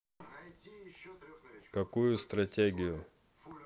какую стратегию